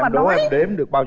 anh đố em đếm được bao